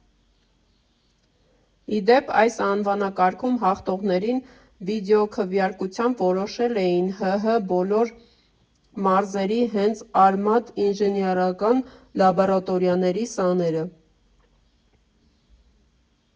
Ի դեպ՝ այս անվանակարգում հաղթողներին վիդեոքվեարկությամբ որոշել էին ՀՀ բոլոր մարզերի հենց «Արմաթ» ինժեներական լաբորատորիաների սաները։